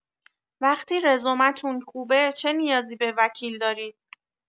وقتی رزومه اتون خوبه چه نیازی به وکیل دارید!